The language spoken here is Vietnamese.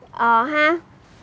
ờ ha